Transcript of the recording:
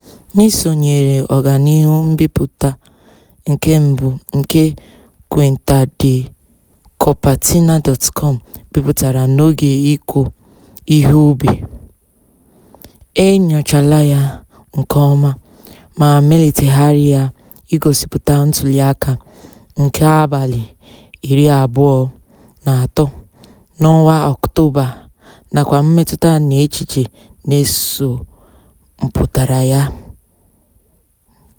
N'isonyere ọganihu mbipụta nke mbụ nke quintadicopertina.com bipụtara n'oge ịkọ ihe ubi, e nnyochala ya nke ọma ma melitegharị ya ịgosipụta ntuliaka nke abalị iri abụọ na atọ n'ọnwa ọktoba, nakwa mmetụta na echiche na-eso mpụtara ya.